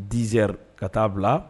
Dizeri ka t taa bila